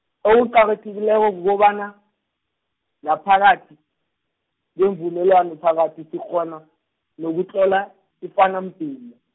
okuqakathekileko kukobanyana, ngaphakathi, kweemvumelwano phakathi sikghhona, nokuthola, ifana mdumo.